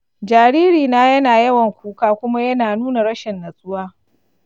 jaririna yana yawan kuka kuma yana nuna rashin natsuwa.